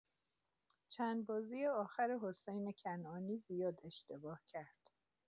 چند بازی آخر حسین کنعانی زیاد اشتباه کرد.